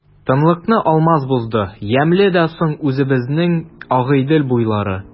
Тынлыкны Алмаз бозды:— Ямьле дә соң үзебезнең Агыйдел буйлары!